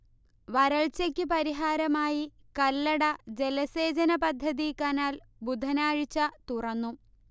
വരൾച്ചയ്ക്ക് പരിഹാരമായി കല്ലട ജലസേചനപദ്ധതി കനാൽ ബുധനാഴ്ച തുറന്നു